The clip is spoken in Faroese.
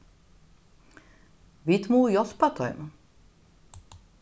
vit mugu hjálpa teimum